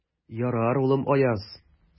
Ярар, улым, Аяз.